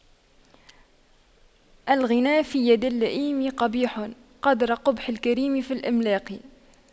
الغنى في يد اللئيم قبيح قدر قبح الكريم في الإملاق